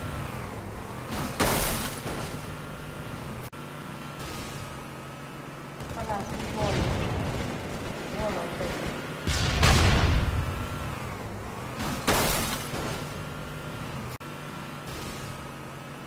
Palaas bu mboolo, mboolo yu dagee,